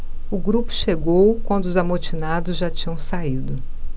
o grupo chegou quando os amotinados já tinham saído